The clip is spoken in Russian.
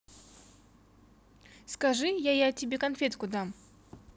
скажи я я тебе конфетку дам